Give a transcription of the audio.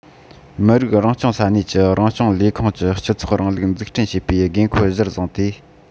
མི རིགས རང སྐྱོང ས གནས ཀྱི རང སྐྱོང ལས ཁུངས ཀྱིས སྤྱི ཚོགས རིང ལུགས འཛུགས སྐྲུན བྱེད པའི དགོས མཁོ གཞིར བཟུང སྟེ